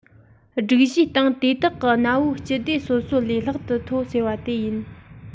སྒྲིག གཞིའི སྟེང དེ དག གི གནའ བོའི སྤྱི སྡེ སོ སོ ལས ལྷག ཏུ མཐོ ཟེར བ དེ ཡིན